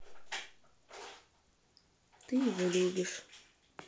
ты его любишь